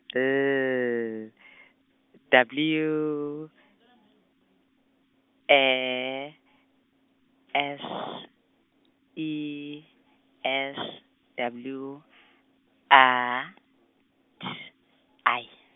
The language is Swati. L , W , E, S, E, S, W , A , T, I.